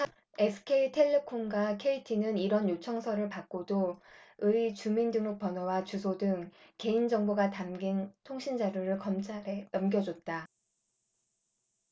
에스케이텔레콤과 케이티는 이런 요청서를 받고도 의 주민등록번호와 주소 등 개인정보가 담긴 통신자료를 검찰에 넘겨줬다